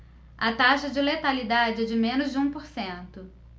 a taxa de letalidade é de menos de um por cento